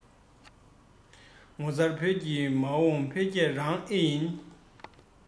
ངོ མཚར བོད ཀྱི མ འོངས འཕེལ རྒྱས རང ཨེ ཡིན